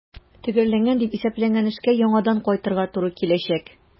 Төгәлләнгән дип исәпләнгән эшкә яңадан кайтырга туры киләчәк.